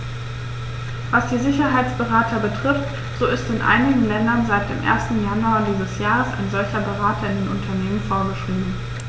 Was die Sicherheitsberater betrifft, so ist in einigen Ländern seit dem 1. Januar dieses Jahres ein solcher Berater in den Unternehmen vorgeschrieben.